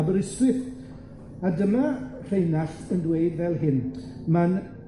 Aberystwyth, a dyma Rheinallt yn dweud fel hyn, ma'n